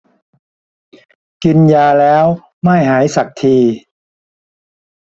กินยาแล้วไม่หายสักที